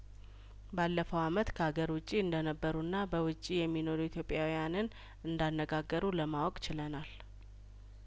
ባለፈው አመት ከአገር ውጭ እንደነበሩና በውጭ የሚኖሩ ኢትዮጵያውያንን እንዳነጋገሩ ለማወቅችለናል